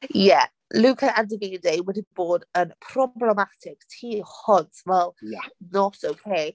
Yeah Luca and Davide wedi bod yn problematic tu hwnt fel not okay.